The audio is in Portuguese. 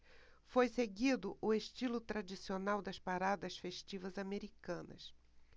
foi seguido o estilo tradicional das paradas festivas americanas